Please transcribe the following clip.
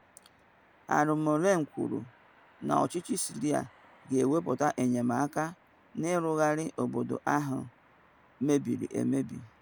Al-Moualem kwuru na ọchịchị Syria ga-anabata enyemaka na ịrụgharị obodo ahụ mebiri emebi.